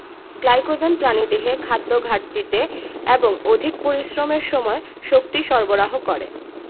glycogen প্রাণীদেহে খাদ্যঘাটতিতে বা অধিক পরিশ্রমের সময় শক্তি সরবরাহ করে